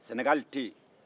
sɛnɛgali tɛ yen